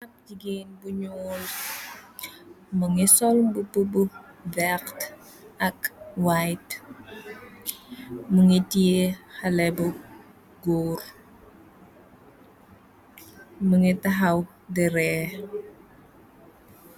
Ab jegain bu ñuul mu ngi sol mubu bu vert ak white mu ngi teye xalé bu góor muge taxaw de ree.